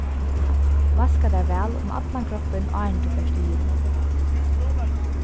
vaska tær væl um allan kroppin áðrenn tú fert í hylin